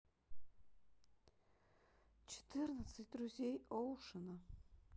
четырнадцать друзей оушена